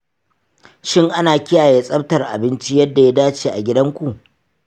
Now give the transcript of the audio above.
shin ana kiyaye tsaftar abinci yadda ya dace a gidanku?